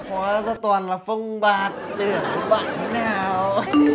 hóa ra toàn là phông bạt tưởng bạn